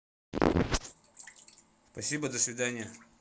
спасибо до свидания